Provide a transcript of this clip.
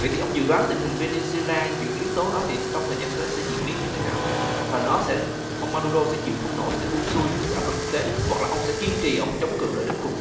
vậy thì ông dự đoán tình hình vi nin di na giữa cái yếu tố đó thì trong thời gian tới sẽ diễn biến như thế nào hoặc là nó sẽ ông ma đu rô sẽ chịu không nổi sự buông xuôi chịu áp lực quốc tế hoặc là ông sẽ kiên trì ông chống cự lại đến cùng